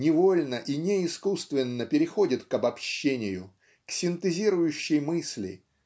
невольно и неискусственно переходит к обобщению к синтезирующей мысли